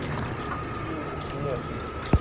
фильм жнец